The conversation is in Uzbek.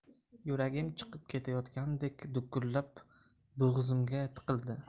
yuragim chiqib ketayotgandek dukullab bo'g'zimga tiqildi